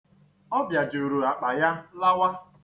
Ọ bịajuru akpa ya lawa.